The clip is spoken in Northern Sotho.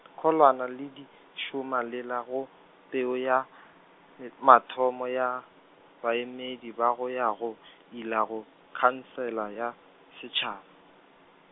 khulwana le di šoma le la go, peo ya , mathomo ya, baemedi ba go ya go ile go, khansele ya Setšhaba.